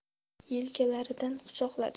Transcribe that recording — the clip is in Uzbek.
yelkalaridan quchoqladi